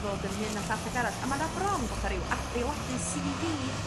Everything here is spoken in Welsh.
fod yn hyn a llall ag arall a ma' 'na bron fatha ryw adeiladu CV